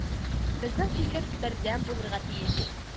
Безнең фикер бердәм булырга тиеш